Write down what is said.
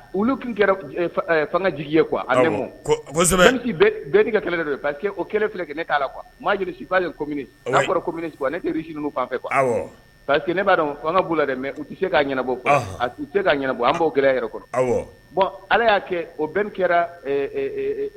Olu kɛra fanga jigi ye kuwa ma ka kɛlɛ pa que o kɛlɛ filɛ kɛ ne'a la kuwa maa si'ale ko ko ne tɛinin fan fɛ kuwa parceriseke ne b'a dɔn fanga b' la dɛ mɛ u tɛ se k'a ɲɛnabɔ u tɛ se ka ɲɛnabɔ an b'o g yɛrɛ kɔnɔ bɔn ala y'a kɛ o bere kɛra